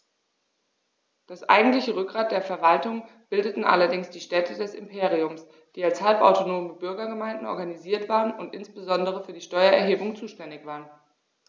Das eigentliche Rückgrat der Verwaltung bildeten allerdings die Städte des Imperiums, die als halbautonome Bürgergemeinden organisiert waren und insbesondere für die Steuererhebung zuständig waren.